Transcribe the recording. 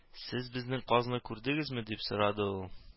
"сез безнең казны күрдегезме" дип сорады ул